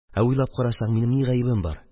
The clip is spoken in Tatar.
Ә уйлап карасаң, минем ни гаебем бар?